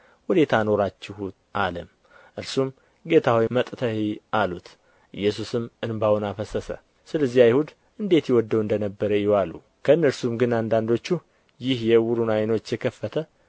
ወዴት አኖራችሁት አለም እነርሱም ጌታ ሆይ መጥተህ እይ አሉት ኢየሱስም እንባውን አፈሰሰ ስለዚህ አይሁድ እንዴት ይወደው እንደ ነበረ እዩ አሉ ከእነርሱ ግን አንዳንዶቹ ይህ የዕውሩን ዓይኖች የከፈተ